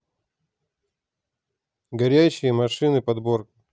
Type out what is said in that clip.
горящие машины подборка